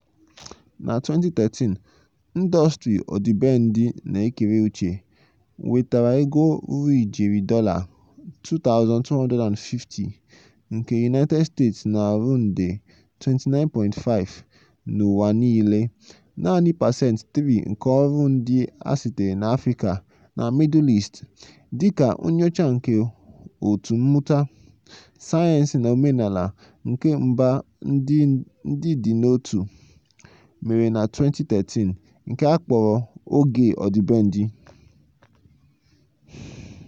Na 2013, ndọstrị odịbendị na ekere uche (CCI) nwetara ego ruru ijeri dọla 2,250 nke United States na ọrụ nde 29.5 n'ụwa niile [mana] naanị pasent 3 nke ọrụ ndị a sitere na Afrịka na Middle East, dịka nnyocha nke Òtù Mmụta, Sayensị na Omenala nke Mba Ndị Dị n'Otu (UNESCO) mere na 2013 nke akpọrọ "Oge Ọdịbendị."